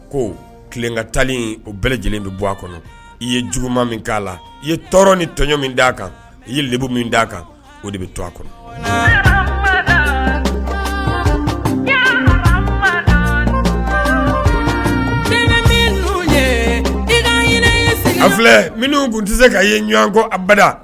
Koka o bɛɛ lajɛlen bɛ bɔ a kɔnɔ i ye jugu min'a la i ye tɔɔrɔ ni tɔɲɔ min d'a kan i ye bbu min d'a kan o de bɛ to a kɔnɔ minnu tun tɛ se ka ye ɲɔgɔn koda